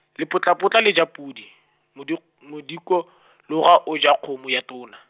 lepotlapotla le ja podi, modik-, modikologa o ja kgomo ya tona.